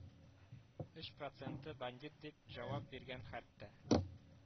Өч проценты бандит дип авап биргән хәтта